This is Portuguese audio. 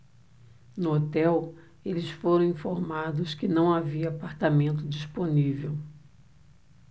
no hotel eles foram informados que não havia apartamento disponível